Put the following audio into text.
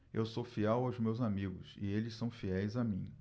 eu sou fiel aos meus amigos e eles são fiéis a mim